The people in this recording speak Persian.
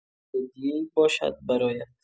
هدیه‌ای باشد برایت.